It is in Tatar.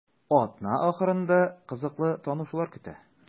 Атна ахырында кызыклы танышулар көтә.